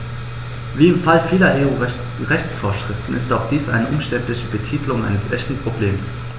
Wie im Fall vieler EU-Rechtsvorschriften ist auch dies eine umständliche Betitelung eines echten Problems.